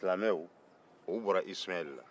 silamɛw olu bɔra isumayɛli la